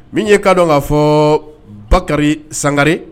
Min ye i k'a dɔn k'a fɔ Bakari Sankare